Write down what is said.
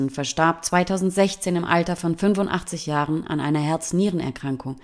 verstarb 2016 im Alter von 85 Jahren an einer Herz-Nieren-Erkrankung